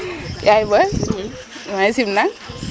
yaa boy maxey simnang